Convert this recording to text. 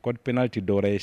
Cop n' tɛ dɔwɛrɛ ye